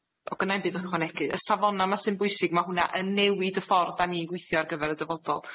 O gynna i'm byd i ychwanegu. Y safona' 'ma sy'n bwysig, ma' hwnna yn newid y ffor 'dan ni'n gwithio ar gyfer y dyfodol.